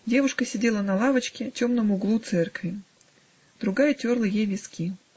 Девушка сидела на лавочке в темном углу церкви; другая терла ей виски.